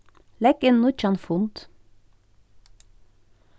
legg inn nýggjan fund